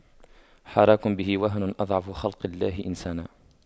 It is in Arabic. حراك به وهن أضعف خلق الله إنسانا